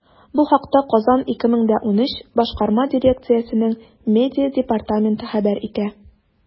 Бу хакта “Казан 2013” башкарма дирекциясенең медиа департаменты хәбәр итә.